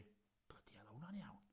Blydi 'ell o wnna'n iawn?